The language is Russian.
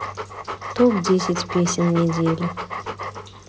топ десять песен недели